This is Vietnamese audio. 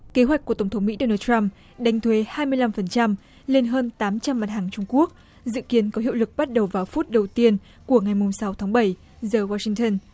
kế hoạch của tổng thống mỹ đo nồ trăm đánh thuế hai mươi lăm phần trăm lên hơn tám trăm mặt hàng trung quốc dự kiến có hiệu lực bắt đầu vào phút đầu tiên của ngày mùng sáu tháng bảy giờ goa sinh từn